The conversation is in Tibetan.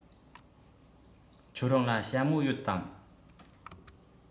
ཁྱོད རང ལ ཞྭ མོ ཡོད དམ